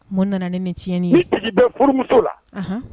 Mun nana ni min tiɲɛni tigi bɛ la